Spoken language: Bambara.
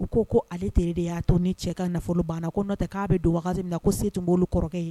U ko ko ale de y'a to ni cɛ ka nafolo banna ko n' tɛ k'a bɛ don min na ko se tun b' olu kɔrɔkɛ ye